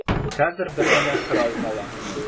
Хәзер бер генә сорау кала.